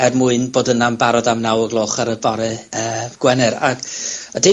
Er mwyn bod yna'n barod am naw o'r gloch ar y bore yy Gwener, a, a deud